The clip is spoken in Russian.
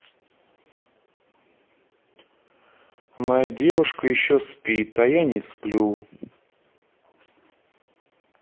моя девушка еще спит а я не сплю